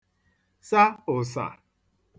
sa ụ̀sà